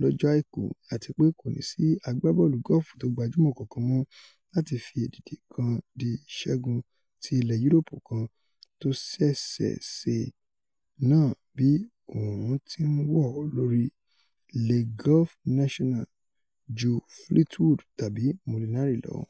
lọ́jọ́ Àìkú, àtipé kòní sí agbábọ́ọ̀lù gọ́ọ̀fù tó gbajúmọ kankan mọ́ láti fi èdìdì kan di ìsẹ́gun ti ilẹ Yuroopu kan tóṣeé ṣe náà bí òòrùn ti ńwọ̀ lórí Le Golf National ju Fleetwood tàbí Molinari lọ.